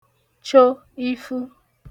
cho ifu